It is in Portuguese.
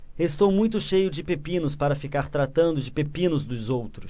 estou muito cheio de pepinos para ficar tratando dos pepinos dos outros